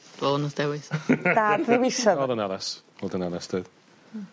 Fo nath dewis. Dad . Ro'dd yn addas bod yn onest doedd. Hmm.